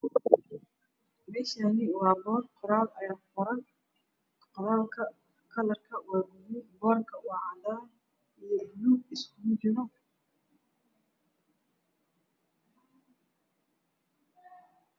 Me Shani wa boor qoraal aya ku qoran qoraalka kalarka wa bulug boor ka wa cadan iyo bulug iskujiro